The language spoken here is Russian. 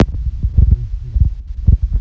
wish wish